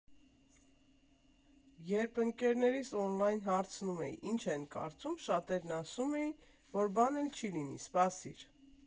Երբ ընկերներիս օնլայն հարցնում էի՝ ինչ են կարծում, շատերը ասում էին, որ բան էլ չի լինի, սպասիր։